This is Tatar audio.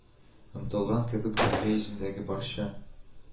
Омтылган кебек, дөнья йөзендәге барча